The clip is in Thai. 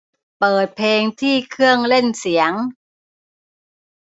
เปิดเพลงที่เครื่องเล่นเสียง